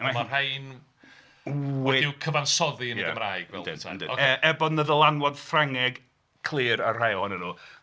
Mae'r rhain wedi'w cyfansoddi yn y Gymraeg fel petai... Er bod 'na ddylanwad Ffrangeg clir ar rhai ohonyn nhw.